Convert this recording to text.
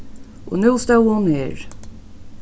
og nú stóð hon her